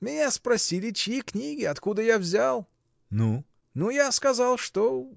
— Меня спросили, чьи книги, откуда я взял. — Ну? — Ну, я сказал, что.